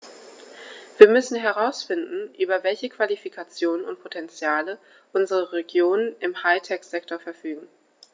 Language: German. Wir müssen herausfinden, über welche Qualifikationen und Potentiale unsere Regionen im High-Tech-Sektor verfügen.